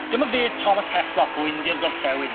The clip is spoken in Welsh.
Dyma fedd Thomas Heslop o India'r Gorllewin.